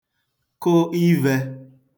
kụ ivē